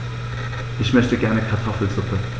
Ich möchte gerne Kartoffelsuppe.